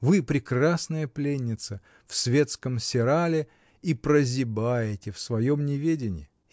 Вы — прекрасная пленница в светском серале и прозябаете в своем неведении.